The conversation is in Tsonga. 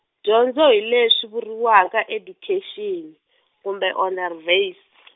dyondzo hi leswi swi vuriwaka education, kumbe onderwys.